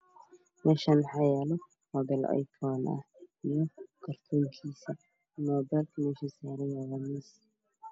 Meeshaan maxaa yeelo mobile iphone ah iyo kartoonkiisa mobilka meesha uu saaranyahay waa miis